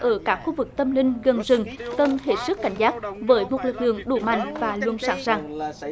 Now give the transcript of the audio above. ở các khu vực tâm linh gần rừng cần hết sức cảnh giác với thuộc lực lượng đủ mạnh và luôn sẵn sàng